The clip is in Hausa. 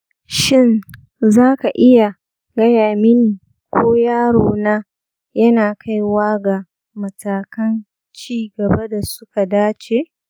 shin za ka iya gaya mini ko yarona yana kaiwa ga matakan ci gaba da suka dace